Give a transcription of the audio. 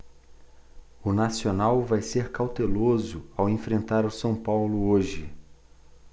o nacional vai ser cauteloso ao enfrentar o são paulo hoje